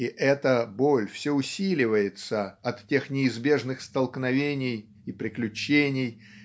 и эта боль все усиливается от тех неизбежных столкновений и приключений